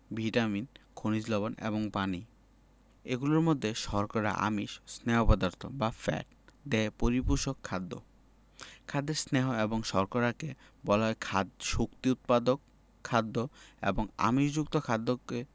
vitamin খনিজ লবন এবং পানি এগুলোর মধ্যে শর্করা আমিষ ও স্নেহ পদার্থ বা ফ্যাট দেহ পরিপোষক খাদ্য খাদ্যের স্নেহ এবং শর্করাকে বলা হয় শক্তি উৎপাদক খাদ্য এবং আমিষযুক্ত খাদ্যকে